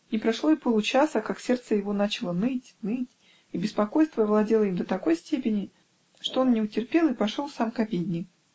Не прошло и получаса, как сердце его начало ныть, ныть, и беспокойство овладело им до такой степени, что он не утерпел и пошел сам к обедне.